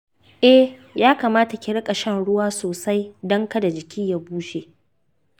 eh, ya kamata ki riƙa shan ruwa sosai don kada jiki ya bushe.